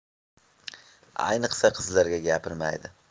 ayniqsa qizlarga gapirmaydi